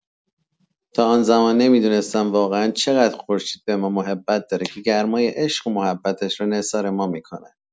تا آن‌زمان نمی‌دونستم واقعا چقدر خورشید به ما محبت داره که گرمای عشق و محبتش رو نثار ما می‌کنه.